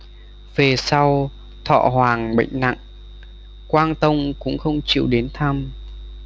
về sau thọ hoàng bệnh nặng quang tông cũng không chịu đến thăm